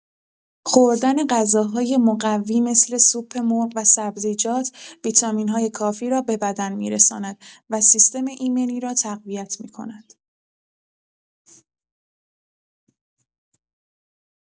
خوردن غذاهای مقوی مثل سوپ مرغ و سبزیجات، ویتامین‌های کافی را به بدن می‌رساند و سیستم ایمنی را تقویت می‌کند.